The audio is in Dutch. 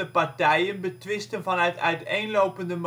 partijen betwisten vanuit uiteenlopende